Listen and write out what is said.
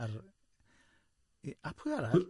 A- pwy arall?